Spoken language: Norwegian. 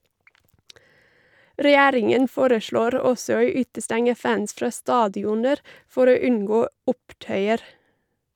Regjeringen foreslår også å utestenge fans fra stadioner for å unngå opptøyer.